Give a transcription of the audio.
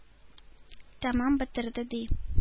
Тәмам бетерде, ди.